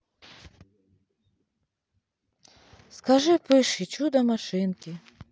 скажи пыш и чудо машинки